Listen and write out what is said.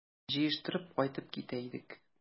Җыештырып кайтып китә идек...